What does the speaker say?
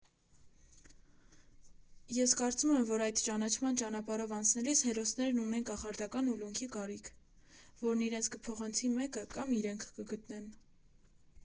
«Ես կարծում եմ, որ այդ ճանաչման ճանապարհով անցնելիս հերոսներն ունեն կախարդական ուլունքի կարիք, որն իրենց կփոխանցի մեկը կամ իրենք կգտնեն։